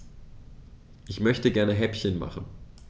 Ich möchte gerne Häppchen machen.